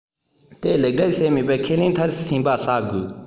དེ ལེགས སྒྲིག བྱས མེད པ ཁས ལེན མཐར ཕྱིན པར བྱ དགོས